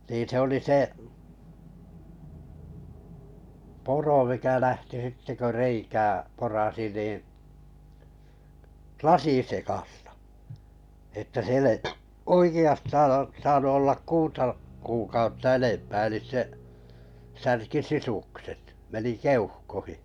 niin se oli se puro mikä lähti sitten kun reikää porasi niin lasinsekaista että siellä ei oikeastaan - saanut olla kuuta kuukautta enempää eli se särki sisukset meni keuhkoihin